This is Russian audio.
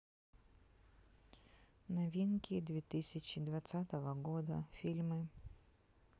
новинки две тысячи двадцатого года фильмы